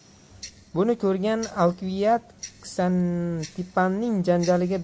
buni ko'rgan alkiviad ksantippaning janjaliga